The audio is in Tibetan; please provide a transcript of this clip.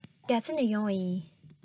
རྒྱ ཚ ནས ཡོང བ ཡིན